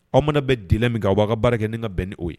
Aw mana bɛ di min kan aw waga ka baara kɛ ni ka bɛn ni' ye